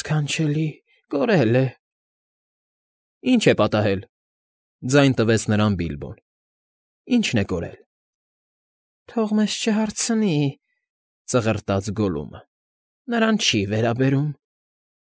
Ս֊ս֊սքանչելի, կորել է… ֊ Ի՞նչ է պատահել,֊ ձայն տվեց նրան Բիլբոն։֊ Ի՞նչն է կորել։ ֊ Թող մեզ֊զ չ֊չ֊չհարցնի,֊ ծղրտաց Գոլլումը։֊ Նրան չ֊չ֊չի վերաբերում։